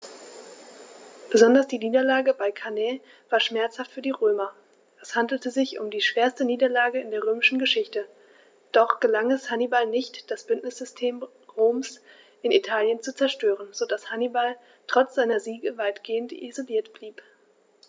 Besonders die Niederlage bei Cannae war schmerzhaft für die Römer: Es handelte sich um die schwerste Niederlage in der römischen Geschichte, doch gelang es Hannibal nicht, das Bündnissystem Roms in Italien zu zerstören, sodass Hannibal trotz seiner Siege weitgehend isoliert blieb.